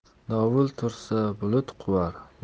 dovul tursa bulut quvar